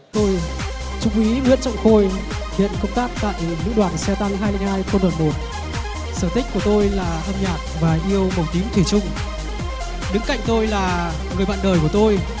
tôi trung úy nguyễn trọng khôi hiện công tác tại lữ đoàn xe tăng hai mươi hai quân đoàn một sở thích của tôi là âm nhạc và yêu màu tím thủy chung đứng cạnh tôi là người bạn đời của tôi